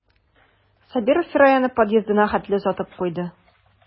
Сабиров Фираяны подъездына хәтле озатып куйды.